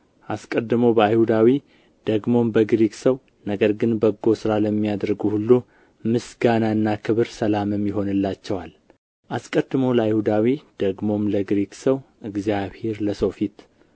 አስቀድሞ በአይሁዳዊ ደግሞም በግሪክ ሰው ነገር ግን በጎ ሥራ ለሚያደርጉ ሁሉ ምስጋናና ክብር ሰላምም ይሆንላቸዋል አስቀድሞ ለአይሁዳዊ ደግሞም ለግሪክ ሰው እግዚአብሔር ለሰው ፊት